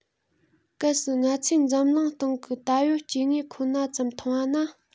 གལ སྲིད ང ཚོས འཛམ གླིང སྟེང གི ད ཡོད སྐྱེ དངོས ཁོ ན ཙམ མཐོང བ ན